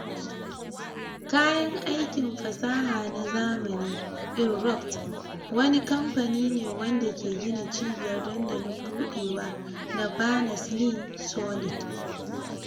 Kayan aikin fasaha na zamani Inrupt, wani kamfanin ne wanda ke gina cibiyar dandalin budewa na Berners-Lee Solid.